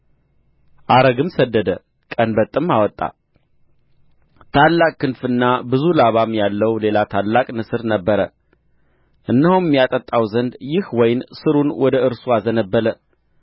አረግም ሰደደ ቀንበጥም አወጣ ታላቅ ክንፍና ብዙ ላባም ያለው ሌላ ታላቅ ንስር ነበረ እነሆም ያጠጣው ዘንድ ይህ ወይን ሥሩን ወደ እርሱ አዘነበለ